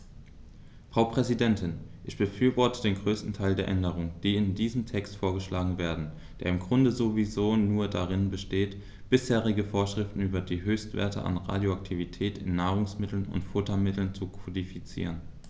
Frau Präsidentin, ich befürworte den größten Teil der Änderungen, die in diesem Text vorgeschlagen werden, der im Grunde sowieso nur darin besteht, bisherige Vorschriften über die Höchstwerte an Radioaktivität in Nahrungsmitteln und Futtermitteln zu kodifizieren.